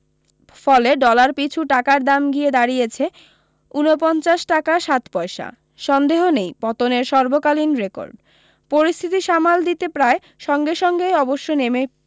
ফলে ডলারপিছু টাকার দাম গিয়ে দাঁড়িয়েছে উনপঞ্চাশ টাকা সাত পয়সা সন্দেহ নেই পতনের সর্বকালীন রেকর্ড পরিস্থিতি সামাল দিতে প্রায় সঙ্গে সঙ্গেই অবশ্য নেমে